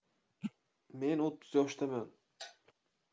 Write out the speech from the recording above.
men o'ttiz yoshdaman